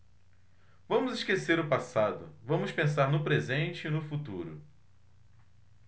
vamos esquecer o passado vamos pensar no presente e no futuro